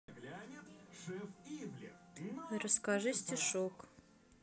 расскажи стишок